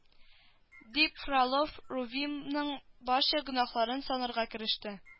Дип фролов рувимның барча гөнаһларын санарга кереште